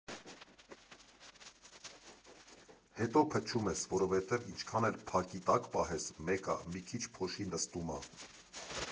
Հետո փչում ես, որովհետև ինչքան էլ փակի տակ պահես, մեկ ա՝ մի քիչ փոշի նստում ա։